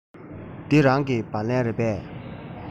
འདི རང གི སྦ ལན རེད པས